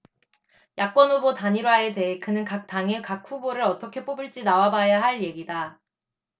야권후보 단일화에 대해 그는 각당의 각 후보를 어떻게 뽑을지 나와봐야 할 얘기다